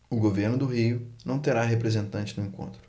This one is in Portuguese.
o governo do rio não terá representante no encontro